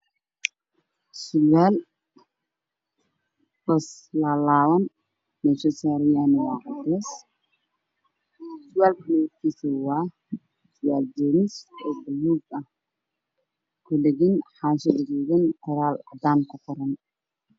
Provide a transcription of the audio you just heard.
Surwaal laalaaban meesha uu saaran yahay waa cadeys, midabkiisuna waa buluug ah waxaa kudhagan xaanshi qoraal ku qoran yahay.